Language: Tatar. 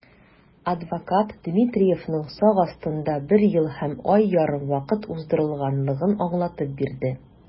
Адвокат Дмитриевның сак астында бер ел һәм ай ярым вакыт уздырганлыгын аңлатып бирде.